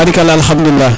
barikala Alkhadoulila